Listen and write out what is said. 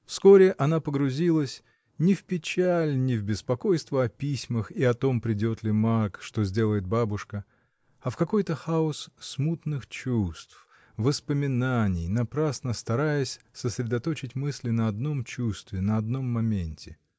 Вскоре она погрузилась — не в печаль, не в беспокойство о письмах и о том, придет ли Марк, что сделает бабушка, — а в какой-то хаос смутных чувств, воспоминаний, напрасно стараясь сосредоточить мысли на одном чувстве, на одном моменте.